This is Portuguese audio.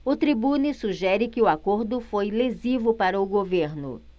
o tribune sugere que o acordo foi lesivo para o governo